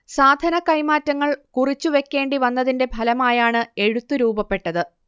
സാധനക്കൈമാറ്റങ്ങൾ കുറിച്ചുവെക്കേണ്ടിവന്നതിൻറെ ഫലമായാണ് എഴുത്ത് രൂപപ്പെട്ടത്